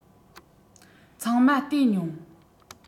ཚང མ བལྟས མྱོང